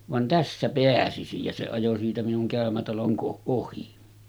vaan tässä pääsisi ja se ajoi siitä minun käymätalon - ohi